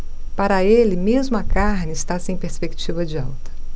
para ele mesmo a carne está sem perspectiva de alta